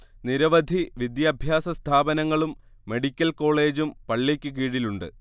നിരവധി വിദ്യാഭ്യാസ സ്ഥാപനങ്ങളും മെഡിക്കൽ കോളേജും പള്ളിക്ക് കീഴിലുണ്ട്